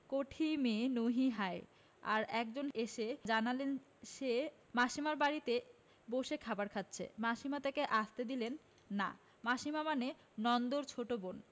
কোঠি মে নহি হ্যায় আর একজন এসে জানালে সে মাসীমার বাড়িতে বসে খাবার খাচ্ছে মাসীমা তাকে আসতে দিলেন না মাসিমা মানে নন্দর ছোট বোন